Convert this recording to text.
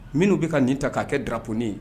Minnu bi ka nin ta ka kɛ drapeau nin ye